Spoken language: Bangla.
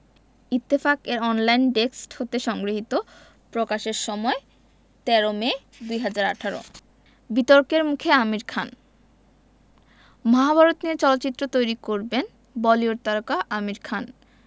ইত্তেফাক এর অনলাইন ডেক্সট হতে সংগৃহীত প্রকাশের সময় ১৩ মে ২০১৮ বিতর্কের মুখে আমির খান মহাভারত নিয়ে চলচ্চিত্র তৈরি করবেন বলিউড তারকা আমির খান